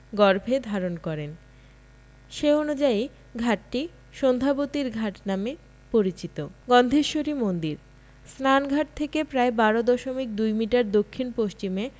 গর্ভে ধারণ করেন সে অনুযায়ী ঘাটটি সন্ধ্যাবতীর ঘাট নামে পরিচিত গন্ধেশ্বরী মন্দিরঃ স্নানঘাট থেকে প্রায় ১২ দশমিক ২ মিটার দক্ষিণ পশ্চিমে